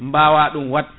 mbawa ɗum wat